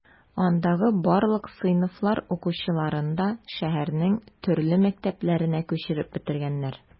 Андагы барлык сыйныфлар укучыларын да шәһәрнең төрле мәктәпләренә күчереп бетергәннәр.